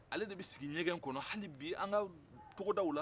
ale de b sigi ɲɛgɛn kɔnɔ hali bi an ka togodaw la